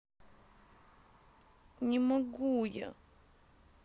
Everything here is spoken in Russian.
не могу я